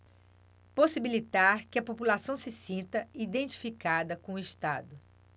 possibilitar que a população se sinta identificada com o estado